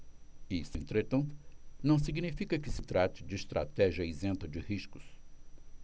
isso entretanto não significa que se trate de estratégia isenta de riscos